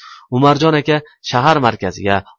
umarjon aka shahar markaziga